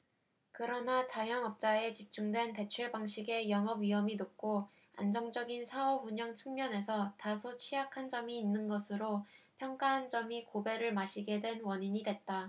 그러나 자영업자에 집중된 대출방식의 영업위험이 높고 안정적인 사업운영 측면에서 다소 취약한 점이 있는 것으로 평가한 점이 고배를 마시게 된 원인이 됐다